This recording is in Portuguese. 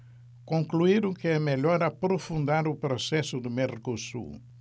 concluíram que é melhor aprofundar o processo do mercosul